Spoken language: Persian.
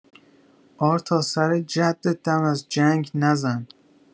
آرتا سر جدت دم از جنگ نزن